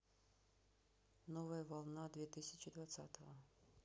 новая волна две тысячи двадцатого